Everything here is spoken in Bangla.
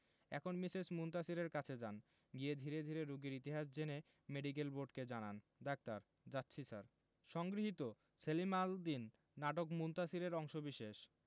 এখন মিসেস মুনতাসীরের কাছে যান গিয়ে ধীরে রোগীর ইতিহাস জেনে মেডিকেল বোর্ডকে জানান ডাক্তার যাচ্ছি স্যার সংগৃহীত সেলিম আল দীন নাটক মুনতাসীর এর অংশবিশেষ